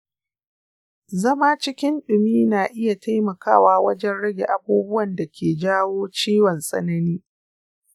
zama cikin ɗumi na iya taimakawa wajen rage abubuwan da ke jawo ciwon tsanani.